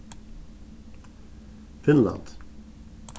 finnland